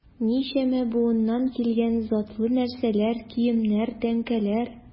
Ничәмә буыннан килгән затлы нәрсәләр, киемнәр, тәңкәләр...